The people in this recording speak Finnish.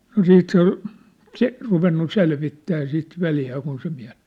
no sitten se oli - ruvennut selvittämään sitä veljeä kun se -